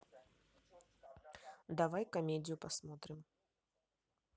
давай комедию посмотрим